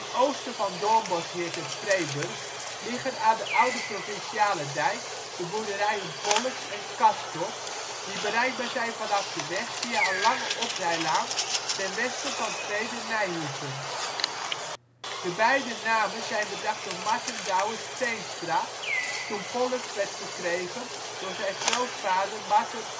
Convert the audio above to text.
oosten van Doornbosheerd en Freeburg liggen aan de oude Provinciale Dijk de boerderijen Pollux (Hoofdweg 20) en Castor (Hoofdweg 18), die bereikbaar zijn vanaf de weg via een lange oprijlaan ten westen van 2e Nijhoezen. De beide namen zijn bedacht door Marten Douwes Teenstra toen Pollux werd verkregen door zijn grootvader Marten